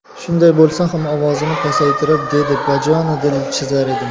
shunday bo'lsa ham ovozini pasaytirib dedi bajonidil chizar edim